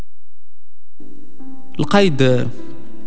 القيد